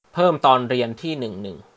เพิ่มตอนเรียนที่หนึ่งหนึ่ง